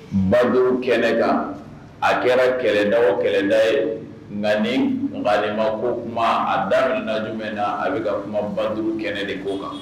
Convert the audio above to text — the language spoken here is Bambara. Ba kɛnɛ kan a kɛra kɛlɛda kɛlɛda ye nkaani ma ko kuma a da la jum na a bɛ ka kuma badu kɛnɛ de ko kan